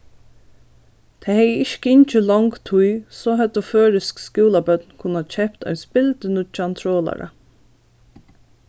tað hevði ikki gingið long tíð so høvdu føroysk skúlabørn kunna keypt ein spildurnýggjan trolara